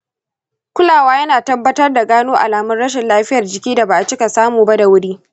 kulawa yana tabbatar da gano alamun rashin lafiyar jiki da ba a cika samu ba da wuri.